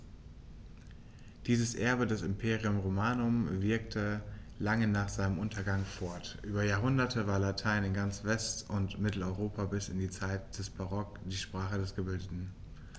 Dieses Erbe des Imperium Romanum wirkte lange nach seinem Untergang fort: Über Jahrhunderte war Latein in ganz West- und Mitteleuropa bis in die Zeit des Barock die Sprache der Gebildeten.